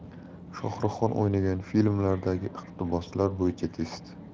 shohruxxon o'ynagan filmlardagi iqtiboslar bo'yicha test